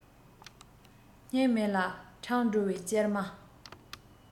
སྙིང མེད ལ འཕྲང སྒྲོལ བའི སྐྱེལ མ